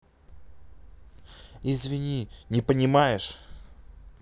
извини не понимаешь